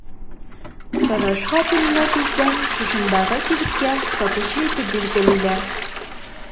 Тырыш хатынны тиздән шушындагы кибеткә сатучы итеп билгелиләр.